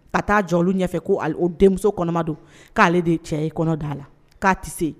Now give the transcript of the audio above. Ka taa jɔ ɲɛfɛ ko o denmuso kɔnɔma don k'ale de ye cɛ ye kɔnɔ da a la k'a tɛ se